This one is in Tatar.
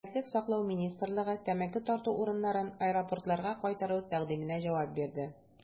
Сәламәтлек саклау министрлыгы тәмәке тарту урыннарын аэропортларга кайтару тәкъдименә җавап бирде.